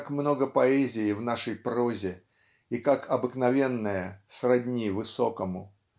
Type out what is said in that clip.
как много поэзии в нашей прозе и как обыкновенное сродни высокому.